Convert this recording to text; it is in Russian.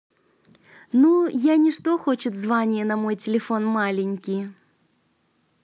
ну я не что хочет звание на мой телефон маленький